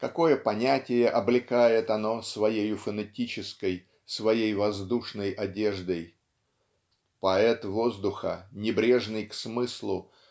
какое понятие облекает оно своею фонетической своей воздушной одеждой. Поэт воздуха небрежный к смыслу